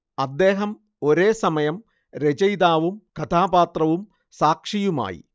അദ്ദേഹം ഒരേസമയം രചയിതാവും കഥാപാത്രവും സാക്ഷിയുമായി